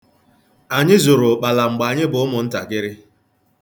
Anyị zụrụ ụkpala mgbe anyị bụ ụmụntakịrị.